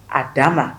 A d'a ma